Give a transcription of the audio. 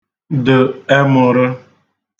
də̀ ẹmə̄rə̄